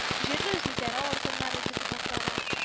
Җирле үзидарә органнары депутатлары